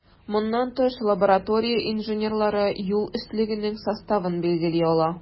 Моннан тыш, лаборатория инженерлары юл өслегенең составын билгели ала.